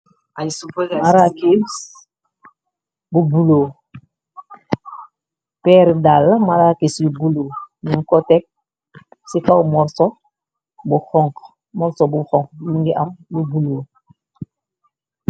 Ay super araqis bu bulo, peere dal marakis yu bulu, ñu kotek ci faw morso bu xong, mi ngi am lu bulo.